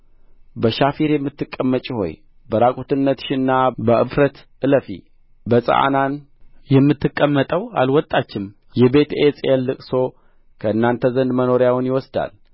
በሻፊር የምትቀመጪ ሆይ በዕራቁትነትሽና በእፍረት እለፊ በጸዓናን የምትቀመጠው አልወጣችም የቤትኤጼል ልቅሶ ከእናንተ ዘንድ መኖሪያውን ይወስዳል